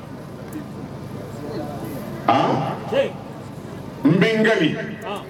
N bɛ n kɛ